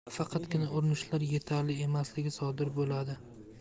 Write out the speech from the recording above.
faqatgina urinishlar etarli emasligi sodir bo'ladi